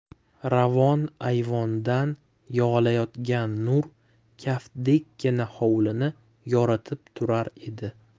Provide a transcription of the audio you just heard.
ravon ayvondan yog'ilayotgan nur kaftdekkina hovlini yoritib turar edi